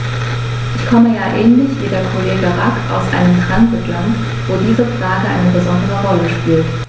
Ich komme ja ähnlich wie der Kollege Rack aus einem Transitland, wo diese Frage eine besondere Rolle spielt.